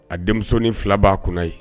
A denmisɛnnin filabaa kunna ye